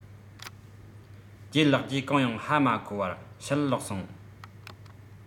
ལྗད ལགས ཀྱིས གང ཡང ཧ མ གོ བར ཕྱིར ལོག ཕྱིན